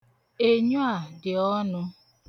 Enyo a dị ọnụ.